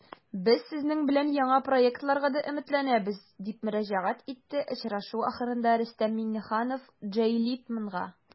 Без сезнең белән яңа проектларга да өметләнәбез, - дип мөрәҗәгать итте очрашу ахырында Рөстәм Миңнеханов Джей Литманга.